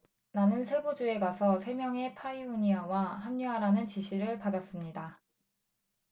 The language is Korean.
나는 세부 주에 가서 세 명의 파이오니아와 합류하라는 지시를 받았습니다